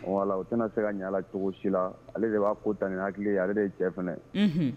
U tɛna se ka ɲɛla cogo si la ale de b'a ko ta ni hakili ale de ye cɛ fana